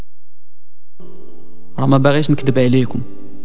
رمضان كريم عليكم